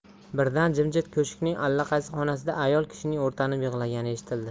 birdan jimjit ko'shkning allaqaysi xonasida ayol kishining o'rtanib yig'lagani eshitildi